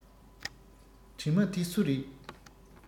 གྲིབ མ དེ སུ རེད